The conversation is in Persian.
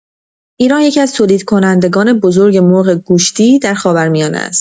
ایران یکی‌از تولیدکنندگان بزرگ مرغ گوشتی در خاورمیانه است.